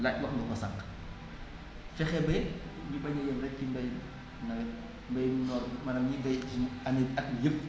laaj wax nga ko sànq fexe ba ñu bañ a yem rekk ci mbayum nawet mbayum noor bi maanaam ñiy bay ci année at mi yépp